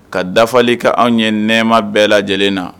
Ka dafali ka anw ye nɛma bɛɛ lajɛlen na